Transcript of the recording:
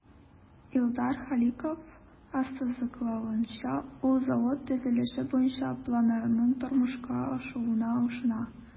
Илдар Халиков ассызыклавынча, ул завод төзелеше буенча планнарның тормышка ашуына ышана.